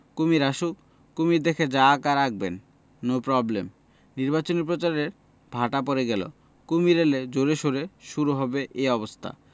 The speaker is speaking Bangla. কুশীর আসুক কুমীর দেখে যা আঁকার আঁকবেন নো প্রবলেম নিবাচনী প্রচারেও ভাটা পড়ে গেল কুমীর এলে জোরে সােরে শুরু হবে এই অবস্থা